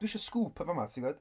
Dwi isio sgŵp yn fama ti'n gwbod?